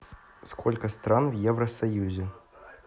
сколько стран в евросоюзе